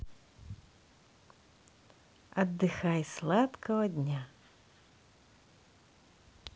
отдыхай сладкого дня